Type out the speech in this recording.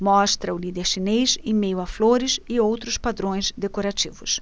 mostra o líder chinês em meio a flores e outros padrões decorativos